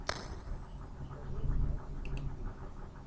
скажи один из них